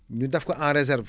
ñu def ko en réserve